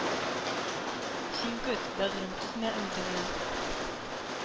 Син көт, бәгърем, өзмә өметеңне!